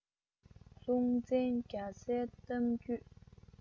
སྲོང བཙན རྒྱ བཟའི གཏམ རྒྱུད